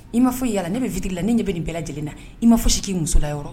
I m maa fɔ i yalala ne bɛ fitiri la ni ɲɛ bɛ ne nin bɛɛ lajɛlen na i m'a fɔ si k'i musola yɔrɔ